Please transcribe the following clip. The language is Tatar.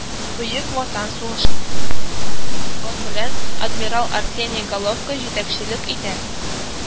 Бөек Ватан сугышы елларында ул флот белән адмирал Арсений Головко җитәкчелек итә